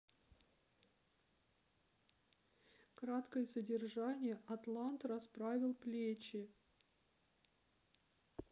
краткое содержание атлант расправил плечи